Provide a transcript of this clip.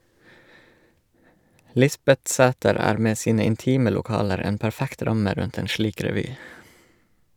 Lisbetsæter er med sine intime lokaler en perfekt ramme rundt en slik revy.